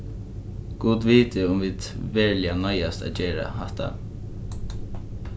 gud viti um vit veruliga noyðast at gera hatta